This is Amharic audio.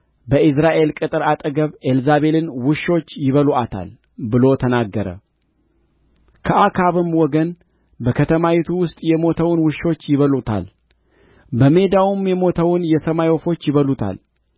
በኢይዝራኤል ቅጥር አጠገብ ኤልዛቤልን ውሾች ይበሉአታል ብሎ ተናገረ ከአክዓብም ወገን በከተማይቱ ውስጥ የሞተውን ውሾች ይበሉታል በሜዳውም የሞተውን የሰማይ ወፎች ይበሉታል